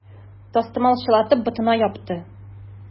Тастымал чылатып, ботына япты.